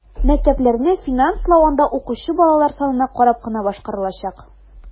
Мәктәпләрне финанслау анда укучы балалар санына карап кына башкарылачак.